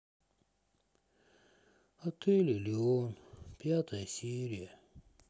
отель элион пятая серия